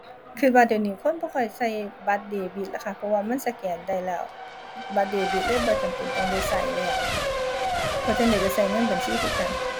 คิดว่าเดี๋ยวนี้คนบ่ค่อยคิดบัตรเดบิตแล้วค่ะ เพราะว่ามันสแกนได้แล้ว บัตรเดบิตเลยบ่จำเป็นต้องได้คิดแล้ว เพราะจั่งใดคิดคิดเงินบัญชีคือกัน